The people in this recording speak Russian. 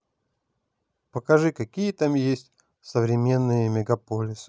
покажи какие там есть современные мегаполисы